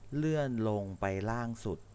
เลื่อนลงไปล่างสุด